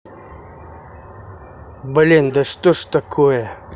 блин да что ж такое